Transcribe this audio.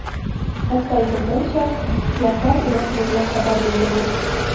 Хатта әйтелгәнчә, колаклар үрә торырлык хәбәр булды бу.